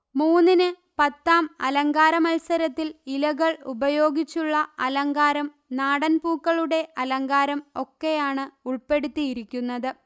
മൂന്നിൻപത്താം അലങ്കാര മത്സരത്തിൽ ഇലകൾ ഉപയോഗിച്ചുള്ള അലങ്കാരം നാടൻപൂക്കളുടെ അലങ്കാരം ഒക്കെയാണ് ഉൾപ്പെടുത്തിയിരിക്കുന്നത്